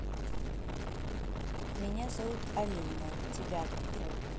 меня зовут алина тебя как зовут